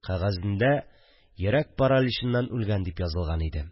Кәгазендә «Йөрәк параличыннан үлгән» дип язылган иде